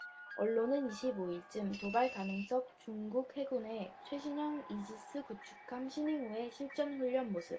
언론은 이십 오 일쯤 도발 가능성중국 해군의 최신형 이지스 구축함 시닝호의 실전훈련 모습